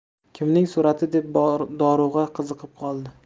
kimning surati deb dorug'a qiziqib qoldi